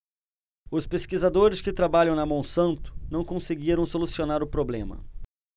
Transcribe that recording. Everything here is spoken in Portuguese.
os pesquisadores que trabalham na monsanto não conseguiram solucionar o problema